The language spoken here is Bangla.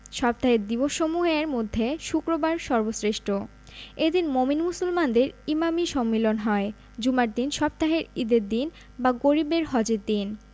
সপ্তাহের দিবসসমূহের মধ্যে শুক্রবার সর্বশ্রেষ্ঠ এদিন মোমিন মুসলমানদের ইমামি সম্মিলন হয় জুমার দিন সপ্তাহের ঈদের দিন বা গরিবের হজের দিন